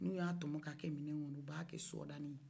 n'u tɔmɔn k'a kɛ minan kɔnɔ u b'a kɛ sɔdanin ye